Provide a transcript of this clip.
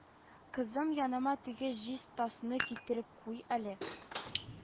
– кызым, яныма теге җиз тасны китереп куй әле, –